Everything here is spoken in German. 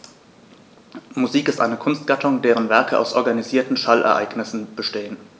Musik ist eine Kunstgattung, deren Werke aus organisierten Schallereignissen bestehen.